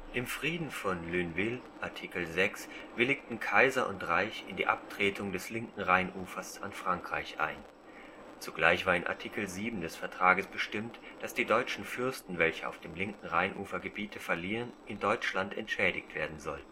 Im Frieden von Lunéville (Artikel 6) willigten Kaiser und Reich in die Abtretung des linken Rheinufers an Frankreich ein. Zugleich war in Artikel 7 des Vertrages bestimmt, dass die deutschen Fürsten, welche auf dem linken Rheinufer Gebiete verlieren, in Deutschland entschädigt werden sollten